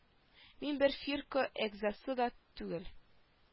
Мин бер фирка әгъзасы да түгел